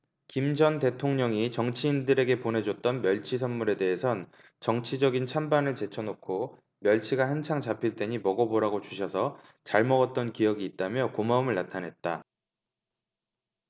김 전 대통령이 정치인들에게 보내줬던 멸치 선물에 대해선 정치적인 찬반을 제쳐놓고 멸치가 한창 잡힐 때니 먹어보라고 주셔서 잘 먹었던 기억이 있다며 고마움을 나타냈다